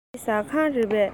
འདི ཟ ཁང རེད པས